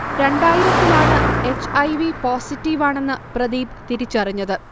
രണ്ടായിരത്തിലാണ് H. I. V positive ആണെന്ന് പ്രദീപ് തിരിച്ചറിഞ്ഞത്